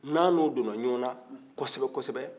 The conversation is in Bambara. n'a n'o donna ɲwanna kosɛbɛ kosɛbɛ